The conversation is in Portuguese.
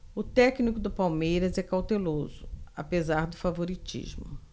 o técnico do palmeiras é cauteloso apesar do favoritismo